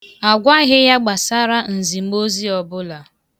Agwaghị ya gbasara nzimozi ọbụla.